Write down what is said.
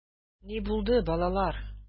Ни булды, балалар?